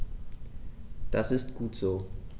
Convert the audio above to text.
Das ist gut so.